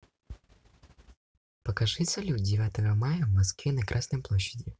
покажи салют девятого мая в москве на красной площади